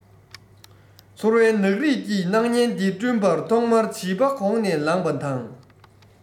ཚོར བའི ནག རིས ཀྱི སྣང བརྙན འདི བསྐྲུན པར ཐོག མར བྱིས པ གོག ནས ལངས པ དང